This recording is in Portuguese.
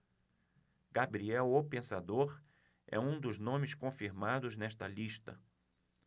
gabriel o pensador é um dos nomes confirmados nesta lista